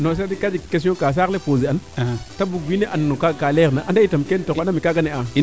non c' est dire ka jeg question kaa saxle poser an te bug wiin we an kaaga ka leer na anda ye tam keene taxu anda mee kaga ne'a